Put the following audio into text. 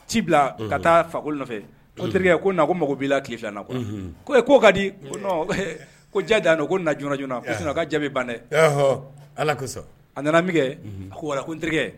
Ci bila ka taa fako nɔfɛ terikɛya ko ko mako b'i la ki filananna ko ko ka di ko ko diya ko joona joonana ka jaabi ban dɛ ala a nana min a ko wa ko n terikɛ